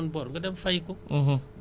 yéen di jox leen ma sama ndàmpaay